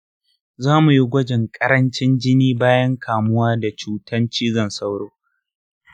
za mu yi gwajin karancin jini bayan kamuwa da cutar cutar cizon sauro.